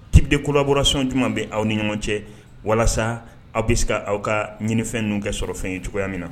Tip de kolaborasiyɔn jumɛn bɛ aw ni ɲɔgɔn cɛ walasa aw bɛ se ka aw ka ɲinifɛn ninnu kɛ sɔrɔ fɛn ye cogoya min na.